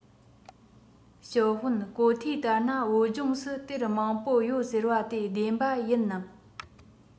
ཞའོ ཧྥུང གོ ཐོས ལྟར ན བོད ལྗོངས སུ གཏེར མང པོ ཡོད ཟེར བ དེ བདེན པ ཡིན ནམ